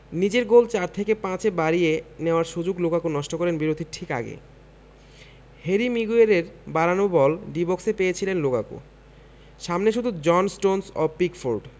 নিজের গোল চার থেকে পাঁচে বাড়িয়ে নেওয়ার সুযোগ লুকাকু নষ্ট করেন বিরতির ঠিক আগে হ্যারি মিগুয়েরের বাড়ানো বল ডি বক্সে পেয়েছিলেন লুকাকু সামনে শুধু জন স্টোনস ও পিকফোর্ড